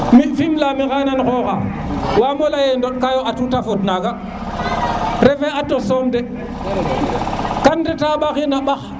mi fim lami xayam xoxa wama leye ndot qew atou te fod nag refe a tos soom de kam reta ɓaxi na ɓax